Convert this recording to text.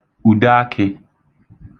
ùdeakị̄